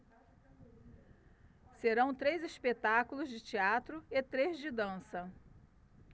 serão três espetáculos de teatro e três de dança